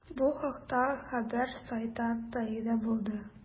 Бу хакта хәбәр сайтта пәйда булды.